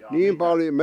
jaa mitkä